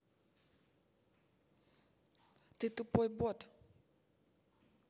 ты тупой бот